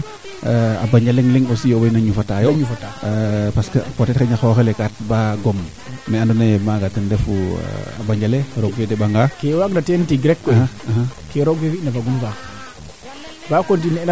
te ref o ñar kaaga aussi o toubab a leya jaseer o xaƴin te ñar o ñaro laaga koy o toubab oxe jublu wooga teen mayu parce que o fi angaan naaga te fina xana jeg daand mayu le sutuna ma ndaa aussi xana jeg taxar mayu kaa sutuna taaga